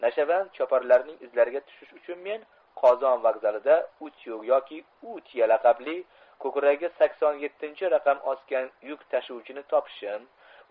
nashavand choparlarning izlariga tushish uchun men qozon vokzalida utyug yoki utya laqabli ko'kragiga sakson yottinchi raqam osgan yuk tashuvchini topishim